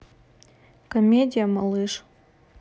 комедия малыш